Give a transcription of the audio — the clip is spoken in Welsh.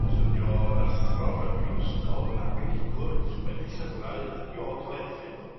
os ydi o yn athro mewn prifysgol yn arbenigwr wedi sgwennu llyfrau ydi o'n ca'l erthygl?